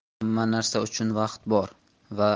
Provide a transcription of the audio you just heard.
hamma narsa uchun vaqt bor va